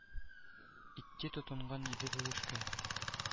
Итди тотынган иде бу эшкә